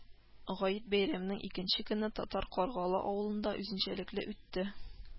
Гает бәйрәменең икенче көне Татар Каргалы авылында үзенчәлекле үтте